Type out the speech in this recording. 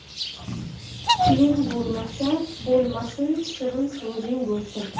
puling bo'lmasa bo'lmasin shirin so'zing bo'lsin